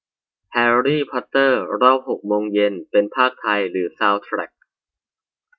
แฮรี่พอตเตอร์รอบหกโมงเย็นเป็นพากย์ไทยหรือซาวด์แทรก